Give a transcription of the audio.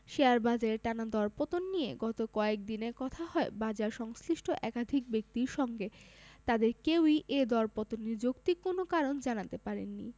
share বাজারের টানা দরপতন নিয়ে গত কয়েক দিনে কথা হয় বাজারসংশ্লিষ্ট একাধিক ব্যক্তির সঙ্গে তাঁদের কেউই এ দরপতনের যৌক্তিক কোনো কারণ জানাতে পারেননি